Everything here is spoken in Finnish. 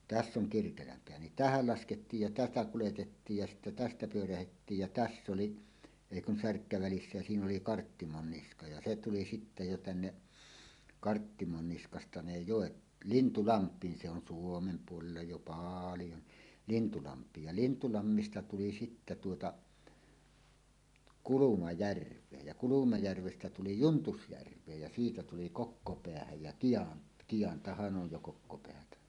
tässä on Kirkelänpää niin tähän laskettiin ja tätä kuljetettiin ja sitten tästä pyörrettiin ja tässä oli ei kun särkkä välissä ja siinä oli Karttimonniska ja se tuli sitten jo tänne Karttimonniskasta ne joet Lintulampiin se on Suomen puolella jo paljon niin Lintulampiin ja Lintulammista tuli sitten tuota Kulumajärveen ja Kulumajärvestä tuli Juntusjärveen ja siitä tuli Kokkopäähän ja - Kiantahan on jo Kokkopäätä